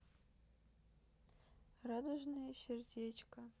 радужное сердечко